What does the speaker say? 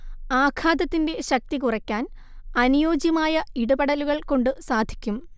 ആഘാതത്തിന്റെ ശക്തി കുറയ്ക്കാൻ അനുയോജ്യമായ ഇടപെടലുകൾകൊണ്ടു സാധിക്കും